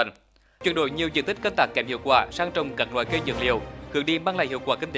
tỉnh chuyển đổi nhiều diện tích canh tác kém hiệu quả sang trồng các loại cây dược liệu cực đi mang lại hiệu quả kinh